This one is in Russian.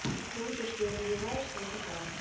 то что ты учишься и развиваешься это классно